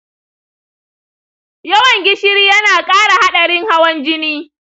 yawan gishiri yana kara hadarin hawan jini.